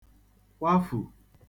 kwafù